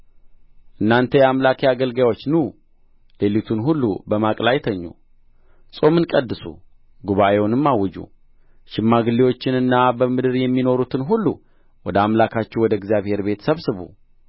እናንተ የአምላኬ አገልጋዮች ኑ ሌሊቱን ሁሉ በማቅ ላይ ተኙ ጾምን ቀድሱ ጉባኤውንም አውጁ ሽምግሌዎችንና በምድር የሚኖሩትን ሁሉ ወደ አምላካችሁ ወደ እግዚአብሔር ቤት ሰብስቡ